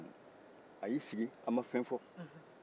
dɔnki a y'i sigi a ma fɛn fɔ